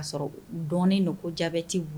O y'a sɔrɔ dɔɔnin ko jabe tɛ bolo